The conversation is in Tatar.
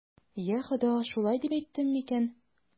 Йа Хода, шулай дип әйттем микән?